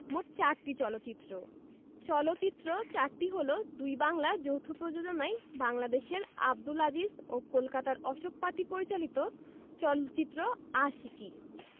মোট চারটি চলচ্চিত্র চলচ্চিত্র চারটি হলো দুই বাংলার যৌথ প্রযোজনায় বাংলাদেশের আবদুল আজিজ ও কলকাতার অশোক পাতি পরিচালিত চলচ্চিত্র আশিকী